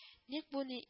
Ник бу ни